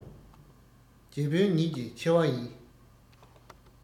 རྗེ དཔོན ཉིད ཀྱི ཆེ བ ཡིན